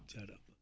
jarama